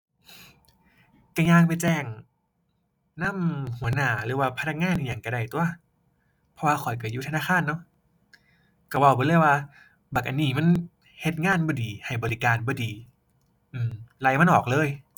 ก็ย่างไปแจ้งนำหัวหน้า หรือว่าพนักงานอิหยังก็ได้ตั่ว เพราะว่าข้อยก็อยู่ธนาคารเนาะ ก็เว้าไปเลยว่าบักอันนี้มันเฮ็ดงานบ่ดี ให้บริการบ่ดี อื้อ ไล่มันออกเลย